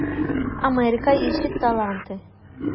америка ищет таланты